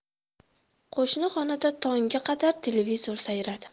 qo'shni xonada tongga qadar televizor sayradi